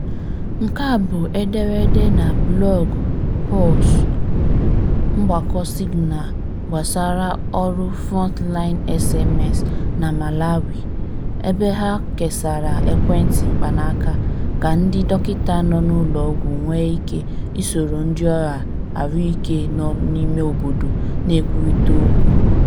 Nke a bụ ederede na blọọgụ Pulse + Signal gbasara ọrụ FrontlineSMS na Malawi, ebe ha kesara ekwentị mkpanaaka ka ndị dọkịta nọ n'ụlọọgwụ nwee ike isoro ndịọrụ ahụike nọ n'imeobodo na-ekwurịta okwu.